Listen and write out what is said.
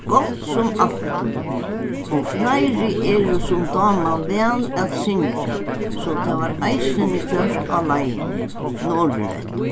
gott sum altíð og fleiri eru sum dáma væl at syngja so tað varð eisini gjørt á leiðini norðureftir